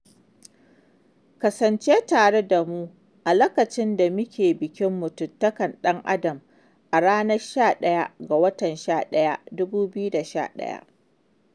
Kasance tare da mu a lakacin da muke bikin mutuntakar ɗan-adam a ranar 11/11/11.